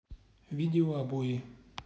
видео обои